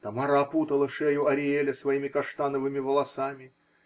Тамара опутала шею Ариэля своими каштановыми волосами.